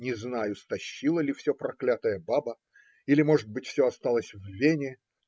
не знаю, стащила ли все проклятая баба или, может быть, все осталось в "Вене".